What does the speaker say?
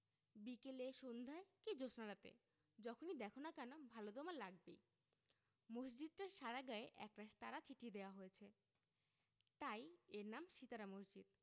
বিকেলে সন্ধায় কি জ্যোৎস্নারাতে যখনি দ্যাখো না কেন ভালো তোমার লাগবেই মসজিদটার সারা গায়ে একরাশ তারা ছিটিয়ে দেয়া হয়েছে তাই এর নাম সিতারা মসজিদ